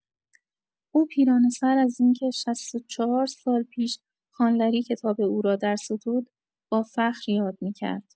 او پیرانه‌سر از اینکه ۶۴ سال پیش خانلری کتاب او را درستود، با فخر یاد می‌کرد.